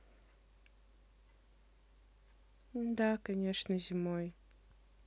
да конечно зимой